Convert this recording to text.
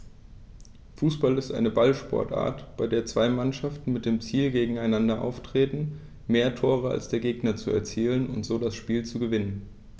Fußball ist eine Ballsportart, bei der zwei Mannschaften mit dem Ziel gegeneinander antreten, mehr Tore als der Gegner zu erzielen und so das Spiel zu gewinnen.